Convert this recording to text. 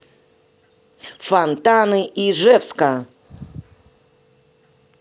фонтаны ижевска